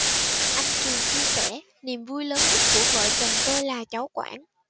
anh trường chia sẻ niềm vui lớn nhất của vợ chồng tôi là cháu quảng